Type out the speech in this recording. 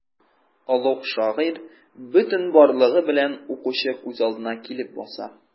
Олуг шагыйрь бөтен барлыгы белән укучы күз алдына килеп баса.